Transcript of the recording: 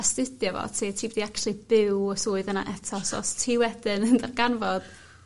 astudio fo ti ti 'di actually byw y swydd yna eto so os ti wedyn yn darganfod